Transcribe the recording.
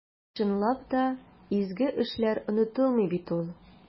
Чынлап та, изге эшләр онытылмый бит ул.